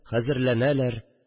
Хәзерләнәләр